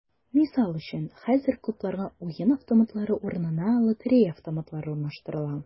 Мисал өчен, хәзер клубларга уен автоматлары урынына “лотерея автоматлары” урнаштырыла.